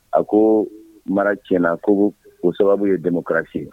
A ko mara tiɲɛna kogo o sababu ye dɛmɛkarase